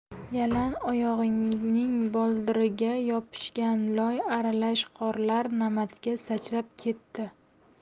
yalang oyog'ining boldiriga yopishgan loy aralash qorlar namatga sachrab ketdi